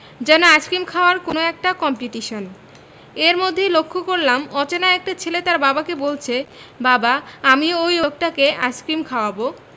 যেন আইসক্রিম খাওয়ার কোন একটা কম্পিটিশন এর মধ্যেই লক্ষ্য করলাম অচেনা একটা ছেলে তার বাবাকে বলছে বাবা আমিও ঐ লোকটাকে আইসক্রিম খাওয়াব